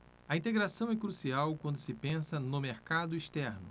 a integração é crucial quando se pensa no mercado externo